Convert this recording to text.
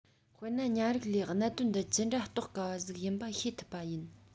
དཔེར ན ཉ རིགས ལས གནད དོན འདི ཇི འདྲ རྟོགས དཀའ བ ཞིག ཡིན པ ཤེས ཐུབ པ ཡིན